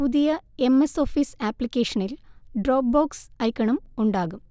പുതിയ M S Office ആപ്ലിക്കേഷനിൽ Dropbox ഐക്കണും ഉണ്ടാകും